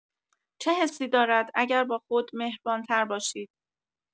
چه حسی دارد اگر با خود مهربان‌تر باشید؟